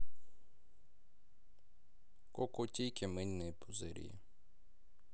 кукутики мыльные пузыри